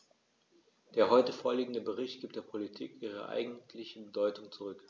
Der heute vorliegende Bericht gibt der Politik ihre eigentliche Bedeutung zurück.